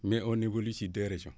mais on on évolue sur deux régions